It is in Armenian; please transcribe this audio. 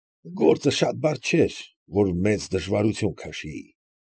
Գործը շատ բարդ չէր, որ մեծ դժվարություն քաշեի։